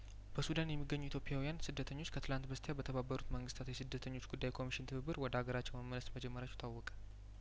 በሱዳን የሚገኙ ኢትዮጵያውያን ስደተኞች ከትላንት በስቲያ በተባበሩት መንግስታት የስደተኞች ጉዳይ ኮሚሽን ትብብር ወደ አገራቸው መመለስ መጀመራቸው ታወቀ